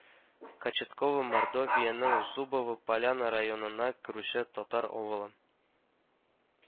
Кочетовка Мордовиянең Зубова Поляна районына керүче татар авылы